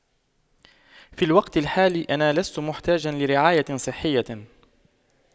في الوقت الحالي انا لست محتاجا لرعاية صحية